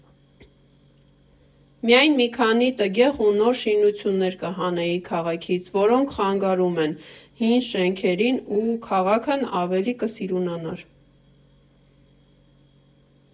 Միայն մի քանի տգեղ ու նոր շինությունները կհանեի քաղաքից, որոնք խանգարում են հին շենքերին ու քաղաքն ավելի կսիրունանար։